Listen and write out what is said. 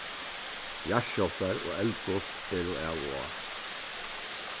jarðskjálvtar og eldgos eru av og á